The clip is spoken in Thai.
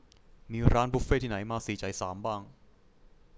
มีร้านบุฟเฟต์ที่ไหนมาสี่จ่ายสามบ้าง